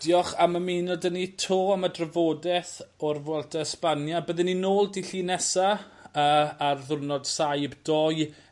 Diolch am ymuno 'dy ni 'to am y drafodeth o'r Vuelta Espania byddwn ni nôl dydd Llun nesa. Yy ar ddiwrnod saib doi.